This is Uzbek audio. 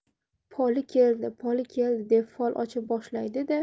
poli keldi poli keldi deb fol ocha boshlaydi da